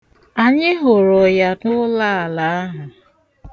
Anyị hụrụ ya n'ụlaala ahụ.